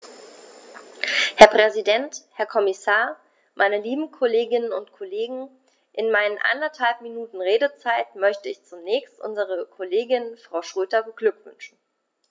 Herr Präsident, Herr Kommissar, meine lieben Kolleginnen und Kollegen, in meinen anderthalb Minuten Redezeit möchte ich zunächst unsere Kollegin Frau Schroedter beglückwünschen.